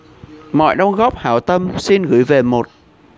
mọi đóng góp hảo tâm xin gửi về một